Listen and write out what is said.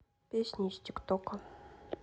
песни из тиктока